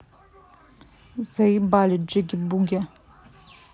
заебали джиги буги